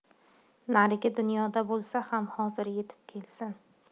narigi dunyoda bo'lsa ham hozir yetib kelsin